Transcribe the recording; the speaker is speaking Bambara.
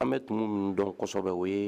An be tumu munun dɔn kosɛbɛ o ye